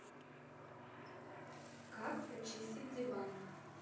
как почистить диван